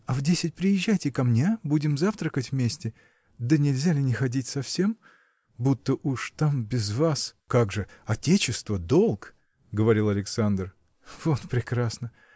– А в десять приезжайте ко мне, будем завтракать вместе. Да нельзя ли не ходить совсем? будто уж там без вас. – Как же? отечество. долг. – говорил Александр. – Вот прекрасно!